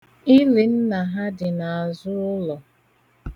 Ili nna ha dị n'azụ ụlọ.